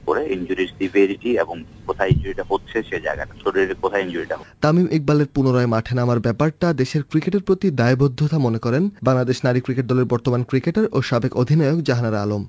ইনজুরির severity এবং কোথায় ইনজুরিটা হচ্ছে সে জায়গাতে শরীরের কোথায় ইনজুরিটা হয়েছে তামিম ইকবালের পুনরায় মাঠে নামার ব্যাপারটা এদেশের ক্রিকেটের প্রতি দায়বদ্ধতা মনে করেন বাংলাদেশ নারী ক্রিকেট দলের বর্তমান ক্রিকেটার ও সাবেক অধিনায়ক জাহানারা আলম